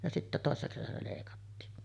ja sitten toisena kesänä leikattiin